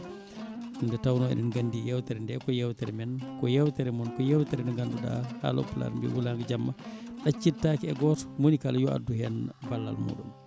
nde tawno eɗen gandi yewtere nde ko yewtere men ko yewtere moon ko yewtere nde ganduɗa haaloɓe Pulaar mbi wuulango jamma ɗaccittake e goto moni kala yo addu hen ballal muɗum